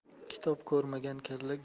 kitob ko'rmagan kalla